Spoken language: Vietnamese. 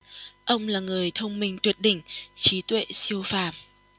ông là người thông minh tuyệt đỉnh trí tuệ siêu phàm